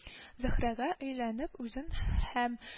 Зөһрәгә өйләнеп, үзен һәм